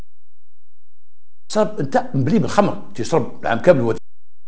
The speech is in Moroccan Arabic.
الخمر يسبب